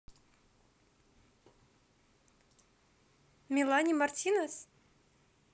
melanie martinez